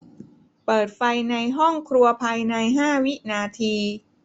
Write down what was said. เปิดไฟในห้องครัวภายในห้าวินาที